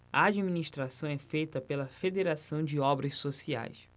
a administração é feita pela fos federação de obras sociais